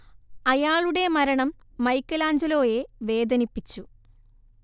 അയാളുടെ മരണം മൈക്കെലാഞ്ചലോയെ വേദനിപ്പിച്ചു